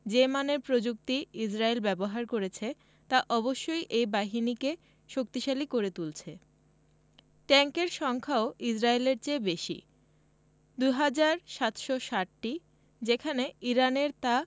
যে মানের প্রযুক্তি ইসরায়েল ব্যবহার করছে তা অবশ্যই এই বাহিনীকে শক্তিশালী করে তুলছে ট্যাংকের সংখ্যাও ইসরায়েলের বেশি ২ হাজার ৭৬০টি সেখানে ইরানের তা